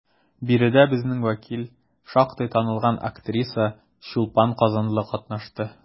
Биредә безнең вәкил, шактый танылган актриса Чулпан Казанлы катнашты.